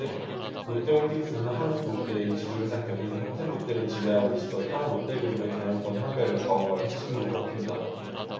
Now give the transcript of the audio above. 롯데홀딩스는 한국 롯데의 지주회사격인 호텔롯데를 지배하고 있어 향후 롯데그룹의 경영권 향배를 좌우할 핵심으로 꼽힌다